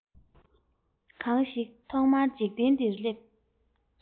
གང ཞིག ཐོག མར འཇིག རྟེན འདིར སླེབས